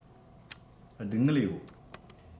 སྡུག སྔལ ཡོད